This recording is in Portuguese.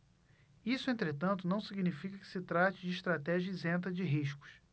isso entretanto não significa que se trate de estratégia isenta de riscos